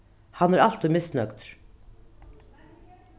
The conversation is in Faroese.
hann er altíð misnøgdur